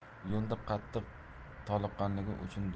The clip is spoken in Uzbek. yo'lda qattiq toliqqanligi uchun